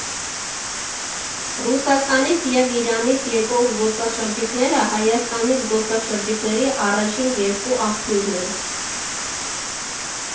Ռուսաստանից և Իրանից եկող զբոսաշրջիկները Հայաստանի զբոսաշրջիկների առաջին երկու աղբյուրն են։